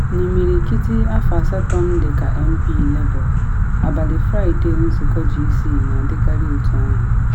N’imirikiti afọ asatọ m dịka MP Labour, abalị Fraịde nzụkọ GC na adịkarị otu ahụ.